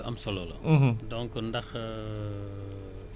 ñu ngi lay ziar bu wér a wér li mu poser lu am solo la